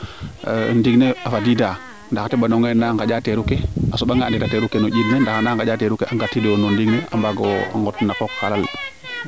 ndiing ne fadiida ndax xa teɓa nongaxe na nganja teeru ke a soɓa nga a ndeta teeru ke no njiind ndax ana nganja teeru ke a ngar tidoyo no no ndiing ne a mbaago no qoox xaalo le